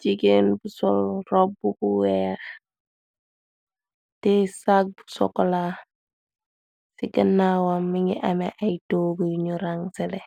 Jigéen bu sol robu bu bu weex téeye sagg bu sokola ci gennawam mi ngi ame ay toog yuñu rang sele